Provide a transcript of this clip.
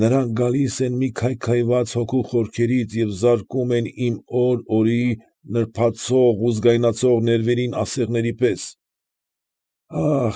Նրանք գալիս են մի քայքայված հոգու խորքերից և զարկում են իմ օր֊օրի վրա նրբացող ու զգայնացող ներվերին ասեղների պես։